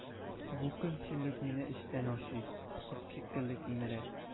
Бу көнчелек мине эчтән ашый, корт шикелле кимерә.